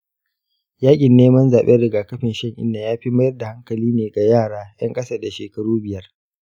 yaƙin neman zaɓen rigakafin shan-inna ya fi mayar da hankali ne ga yara ‘yan ƙasa da shekaru biyar.